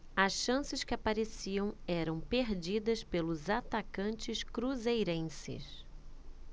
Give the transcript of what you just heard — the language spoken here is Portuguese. as chances que apareciam eram perdidas pelos atacantes cruzeirenses